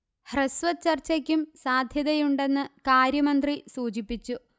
ഹ്രസ്വ ചര്ച്ചയ്ക്കും സാധ്യതയുണ്ടെന്നു കാര്യമന്ത്രി സൂചിപ്പിച്ചു